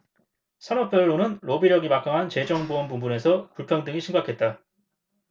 산업별로는 로비력이 막강한 재정 보험 부문에서 불평등이 심각했다